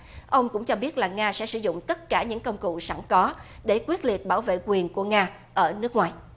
ông cũng cho biết là nga sẽ sử dụng tất cả những công cụ sẵn có để quyết liệt bảo vệ quyền của nga ở nước ngoài